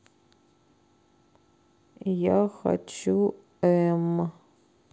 я хочу эм